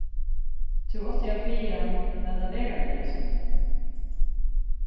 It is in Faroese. tú átti at biðið hann latið vera við hasum